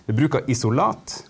det er bruk av isolat.